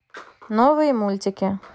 новые мультики